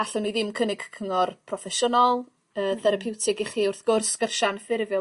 Allwn ni ddim cynnig cyngor proffesiynol yy... M-hm. ...therapiwtig i chi wrth gwrs sgyrsia anffurfiol